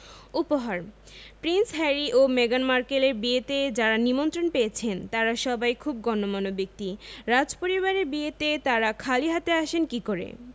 উপহার Prince Harry ও মেগান মার্কেলের বিয়েতে যাঁরা নিমন্ত্রণ পেয়েছেন তাঁরা সবাই খুব গণ্যমান্য ব্যক্তি রাজপরিবারের বিয়েতে তাঁরা খালি হাতে আসেন কী করে